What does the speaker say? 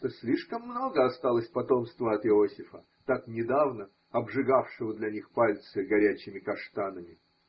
что слишком много осталось потомства от Иосифа, так недавно обжигавшего для них пальцы горячими каштанами.